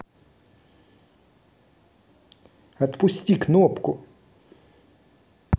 отпусти кнопку